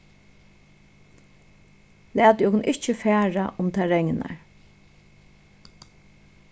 latið okkum ikki fara um tað regnar